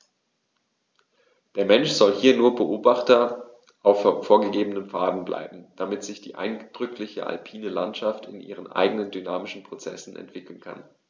Der Mensch soll hier nur Beobachter auf vorgegebenen Pfaden bleiben, damit sich die eindrückliche alpine Landschaft in ihren eigenen dynamischen Prozessen entwickeln kann.